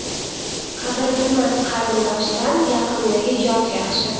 qadr bilmas qarindoshdan yaqindagi yot yaxshi